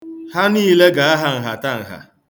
Ha niile ga-aha nhatanha.